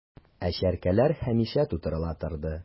Ә чәркәләр һәмишә тутырыла торды...